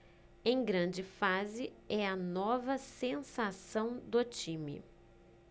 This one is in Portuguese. em grande fase é a nova sensação do time